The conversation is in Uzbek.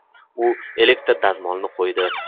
u elektr dazmolni qo'ydi